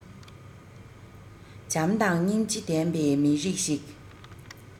བྱམས དང སྙིང རྗེ ལྡན པའི མི རིགས ཤིག